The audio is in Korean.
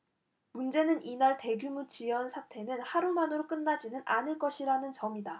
문제는 이날 대규모 지연 사태는 하루만으로 끝나지는 않을 것이라는 점이다